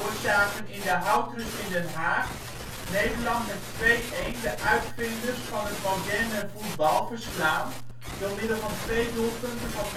zagen in de Houtrust in Den Haag Nederland met 2-1 de uitvinders van het moderne voetbal verslaan, door middel van twee doelpunten van